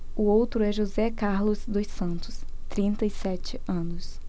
o outro é josé carlos dos santos trinta e sete anos